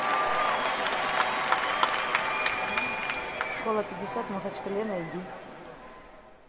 школа пятьдесят в махачкале найди